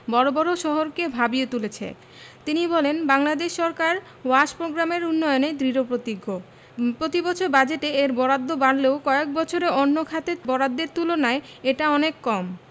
বড় বড় শহরকে ভাবিয়ে তুলেছে তিনি বলেন বাংলাদেশ সরকার ওয়াশ প্রোগ্রামের উন্নয়নে দৃঢ়পতিজ্ঞ প্রতিবছর বাজেটে এর বরাদ্দ বাড়লেও কয়েক বছরে অন্য খাতের বরাদ্দের তুলনায় এটা অনেক কম